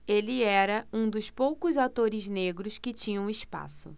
ele era um dos poucos atores negros que tinham espaço